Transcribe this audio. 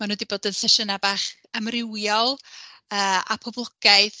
Maen nhw 'di bod yn sesiynau bach amrywiol yy a poblogaidd.